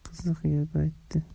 qiziq gap aytdi